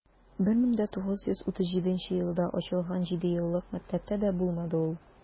1937 елда ачылган җидееллык мәктәптә дә булмады ул.